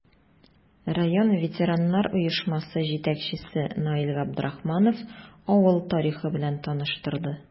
Район ветераннар оешмасы җитәкчесе Наил Габдрахманов авыл тарихы белән таныштырды.